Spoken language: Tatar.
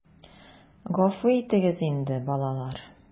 Гафу итегез инде, балалар...